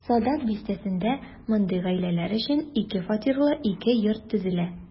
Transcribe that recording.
Садак бистәсендә мондый гаиләләр өчен ике фатирлы ике йорт төзелә.